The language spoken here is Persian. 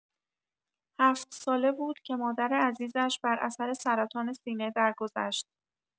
هفت‌ساله بود که مادر عزیزش بر اثر سرطان سینه درگذشت.